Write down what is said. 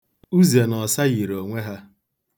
Uze na ọsa yiri onwe ha.